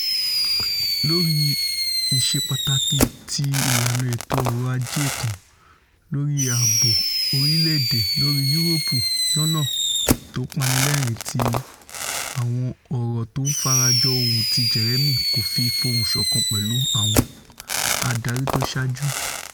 Lórí ìṣepàtàkì ti ìlànà ètò ọ̀rọ̀ ajé kan, lórí ààbò orílẹ̀-èdè, lórí Yuroopu, lọ́nà tó panilẹ́ẹ̀rín àwọm ọ̀rọ̀ tó farajọ ohun tí Jeremy kòfi fohùnṣọ̀kan pẹ̀lú àwọn adarí tó saáju.